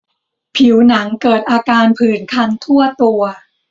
ผิวหนังเกิดอาการผื่นคันทั่วตัว